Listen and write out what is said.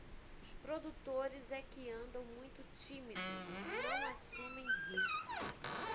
os produtores é que andam muito tímidos não assumem riscos